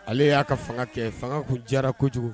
Ale y'a ka fanga kɛ fanga'u jara kojugu